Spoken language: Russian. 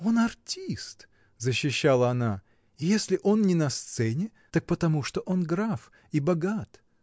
— Он артист, — защищала она, — и если он не на сцене, так потому, что он граф и богат.